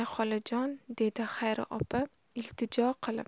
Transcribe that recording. xolajon dedi xayri opa iltijo qilib